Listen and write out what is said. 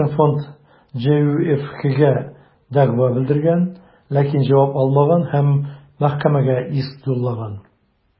Моннан соң фонд ҖҮФХгә дәгъва белдергән, ләкин җавап алмаган һәм мәхкәмәгә иск юллаган.